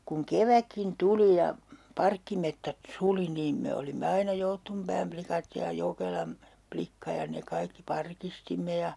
kun kevätkin tuli ja parkkimetsät suli niin me olimme aina Jouttunpään likat ja Jokelan likka ja ne kaikki parkistimme ja